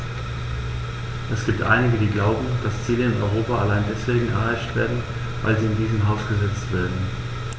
Es gibt einige, die glauben, dass Ziele in Europa allein deswegen erreicht werden, weil sie in diesem Haus gesetzt werden.